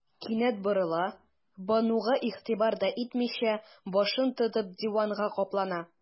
Кинәт борыла, Бануга игътибар да итмичә, башын тотып, диванга каплана.